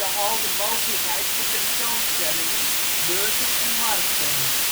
hal de mogelijkheid voor tentoonstellingen, beurzen en markten